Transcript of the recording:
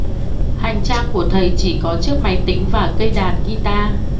hành trang của thầy chỉ có chiếc máy tính và cây đàn ghi ta